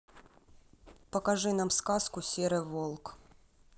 покажи нам сказку серый волк